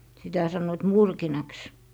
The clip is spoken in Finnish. sitä sanoivat murkinaksi